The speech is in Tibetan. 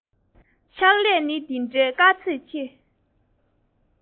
ཕྱག ལས ནི འདི འདྲའི དཀའ ཚེགས ཆེ